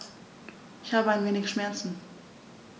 Ich habe ein wenig Schmerzen.